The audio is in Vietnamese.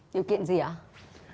điều kiện gì ạ